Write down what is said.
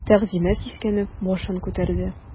Тәгъзимә сискәнеп башын күтәрде.